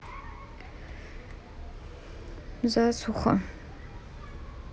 засуха